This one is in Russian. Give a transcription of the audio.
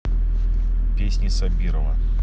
песни сабирова